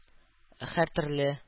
Һәртөрле